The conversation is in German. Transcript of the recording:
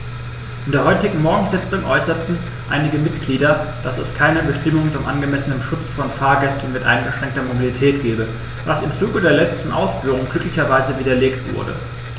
In der heutigen Morgensitzung äußerten einige Mitglieder, dass es keine Bestimmung zum angemessenen Schutz von Fahrgästen mit eingeschränkter Mobilität gebe, was im Zuge der letzten Ausführungen glücklicherweise widerlegt wurde.